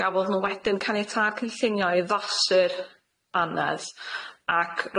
Gafodd nw wedyn caniatâd cynllunio i ddosur anedd ac